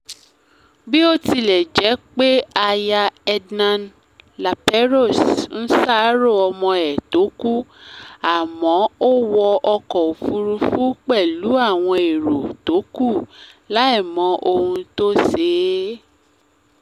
Bí ó tilẹ̀ jẹ́ pé Aya Ednan-Laperouse ń ṣàárò ọmọ e tó kú, àmọ́ ó wọ ọkọ̀-òfúrufú pẹ̀lú àwọn èrò tó kù láìmọ ohun tó ṣee ẹ́.